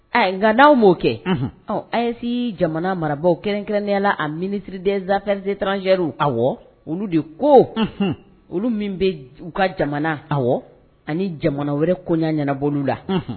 Nka n' aw'o kɛ a yese jamana marabagaw kɛrɛnkɛrɛnnen la a minisiridzprizeranzeri a olu de ko olu min bɛ u ka jamana aw ani jamana wɛrɛ ko ɲɛnabolo la